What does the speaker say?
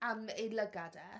Am ei lygaid e.